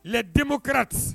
Les democrates